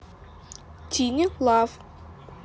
tiny love